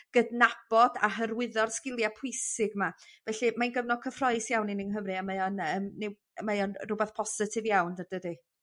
gydnabod a hyrwyddo'r sgilia pwysig 'ma felly mae'n gyfnod cyffrous iawn i ni yng Nghymru y mae o'n yym 'ny yw mae o'n rwbath positif iawn dy- dydi.